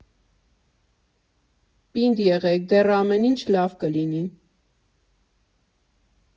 Պինդ եղեք, դեռ ամեն ինչ լավ կլինի։